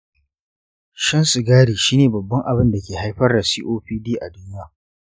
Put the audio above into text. shan sigari shi ne babban abin da ke haifar da copd a duniya.